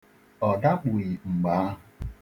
Ọ dakpughị mgbe ahụ.